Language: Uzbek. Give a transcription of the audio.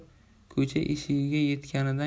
ko'cha eshigiga yetganidan